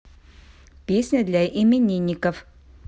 песни для именинников